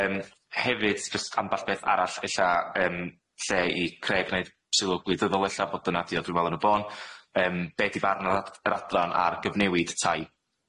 Yym hefyd jyst ambell beth arall ella yym lle i creu gneud sylw gwleidyddol ella bod dyna di a dwi me'wl yn y bon yym be' di barn yr ad- yr adran ar gyfnewid tai?